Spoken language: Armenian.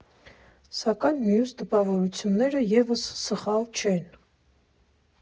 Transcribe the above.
Սակայն մյուս տպավորությունները ևս սխալ չեն։